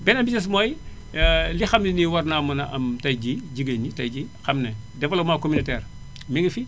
beneen bi ci des mooy li xam ne nii war naa mën a am tay jii jigéen ñi tay jii xam ne développement communautaire i ngi fi